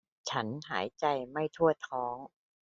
ฉันหายใจไม่ทั่วท้อง